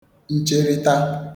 ncherịta